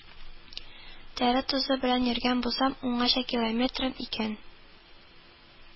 Тәре тузы белән йөргән булсам, уңачакилометрын икән